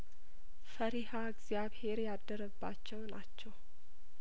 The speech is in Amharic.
ፈሪሀ እግዚአብሄር ያደረባቸው ናቸው